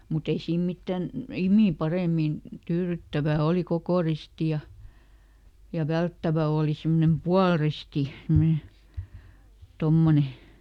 mutta ei siinä mitään nimiä paremmin tyydyttävä oli koko risti ja ja välttävä oli semmoinen puoliristi semmoinen tuommoinen